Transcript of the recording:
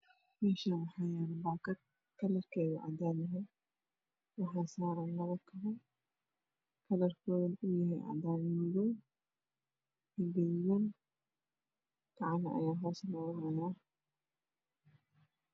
Meshan waxaa yalo bakad kalar kedo yahay cadan waxaa saran labo kobo kalar kode yahay cadan iyo madow gadud iyo gacan